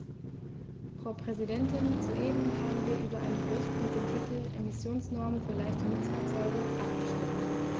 Frau Präsidentin, soeben haben wir über einen Bericht mit dem Titel "Emissionsnormen für leichte Nutzfahrzeuge" abgestimmt.